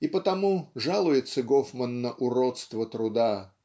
И потому жалуется Гофман на уродство труда